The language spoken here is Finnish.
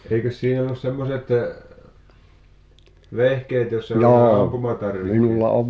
eikös siinä ollut semmoiset vehkeet joissa näitä ampumatarvikkeita